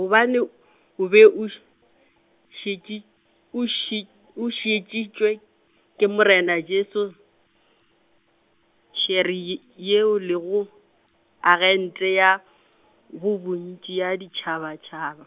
gobane , o be o š- , šite-, o šit- o šetšitšwe, ke morena Jesu Scherre- y-, yeo le go, agente ya, bo bontši ya ditšhabatšhaba.